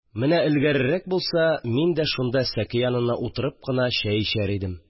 Менә элгәрерәк булса, мин дә шунда сәке янына утырып кына чәй эчәр идем